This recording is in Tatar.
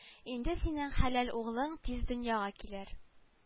Инде синең хәлял углың тиз дөньяга килер